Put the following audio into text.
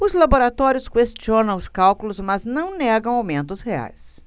os laboratórios questionam os cálculos mas não negam aumentos reais